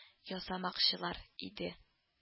Ясамакчылар иде